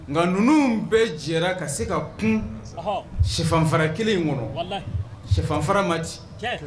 Nka dunun bɛ jɛra ka se ka kun cɛfafanfa kelen in kɔnɔ cɛfafanfa mati